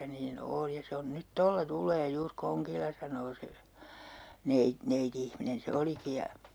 niin on ja se on nyt tuolla tulee juuri kongilla sanoo se - neiti-ihminen se olikin ja